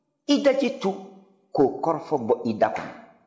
i daji tu k'o kɔrɔfɔ bɔ i da kɔnɔ